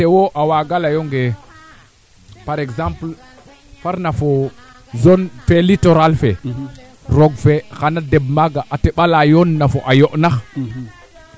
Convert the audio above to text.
d' accord bo ndiik o fogole ando naye den maadu nan gilooxa meeke in way no waxtaan in a xota ngaan no walu kee ando naye ten refuu varieté fee ando naye ten